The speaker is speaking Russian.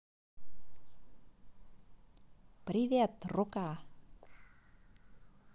привет рука